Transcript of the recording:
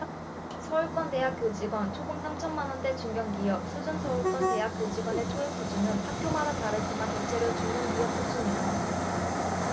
서울권 대학 교직원 초봉 삼 천만원대 중견기업 수준서울권 대학 교직원의 초임 수준은 학교마다 다르지만 대체로 중견기업 수준이다